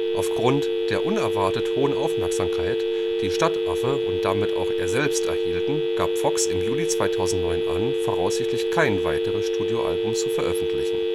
Aufgrund der unerwartet hohen Aufmerksamkeit, die Stadtaffe und damit auch er selbst erhielten, gab Fox im Juli 2009 an, voraussichtlich kein weiteres Soloalbum zu veröffentlichen